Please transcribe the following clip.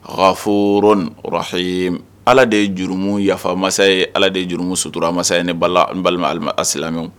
Ghafurun rahim Ala de ye jurumu yafa masa, Ala de jurumu sutura masa ye ne balima alisilamɛw